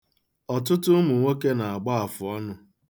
Ọtụtụ ụmụ nwoke na-agba afụọnụ.